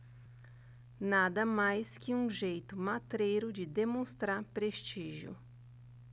nada mais que um jeito matreiro de demonstrar prestígio